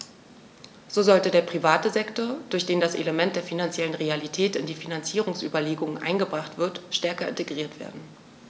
So sollte der private Sektor, durch den das Element der finanziellen Realität in die Finanzierungsüberlegungen eingebracht wird, stärker integriert werden.